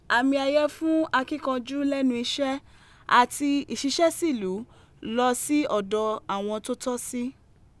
Àmì ẹ̀yẹ̀ẹ̀ fún akíkanjú lẹ́nu iṣẹ́ àti ìṣiṣẹ́sílúú lọ sí ọ̀dọ̀ àwọn ẹni tí ó tọ́ sí.